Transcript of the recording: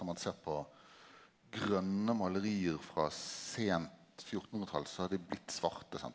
når ein ser på grøne maleri frå seint fjortenhundretal så har dei blitt svarte sant.